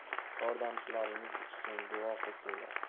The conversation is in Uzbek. yordamchilaringiz ichsun duo qilsunlar